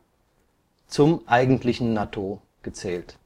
zum eigentlichen Nattō gezählt